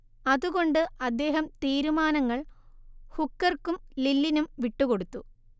അതുകൊണ്ട് അദ്ദേഹം തീരുമാനങ്ങൾ ഹുക്കർക്കും ലില്ലിനും വിട്ടുകൊടുത്തു